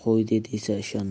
yomonligini qo'ydi desa ishonma